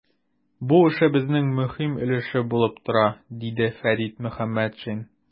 Бу эшебезнең мөһим өлеше булып тора, - диде Фәрит Мөхәммәтшин.